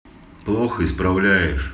плохо исправляешь